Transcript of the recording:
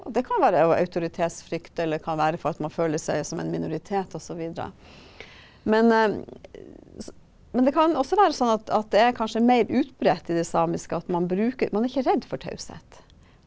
og det kan være av autoritetsfrykt, eller kan være for at man føler seg som en minoritet og så videre, men men det kan også være sånn at at det er kanskje mer utbredt i det samiske at man bruker man er ikke redd for taushet.